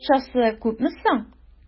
Акчасы күпме соң?